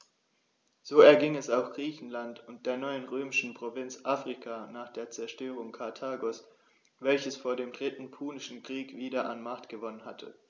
So erging es auch Griechenland und der neuen römischen Provinz Afrika nach der Zerstörung Karthagos, welches vor dem Dritten Punischen Krieg wieder an Macht gewonnen hatte.